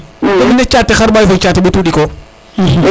commune ne caate xarɓaxay fo ɓetu ɗiko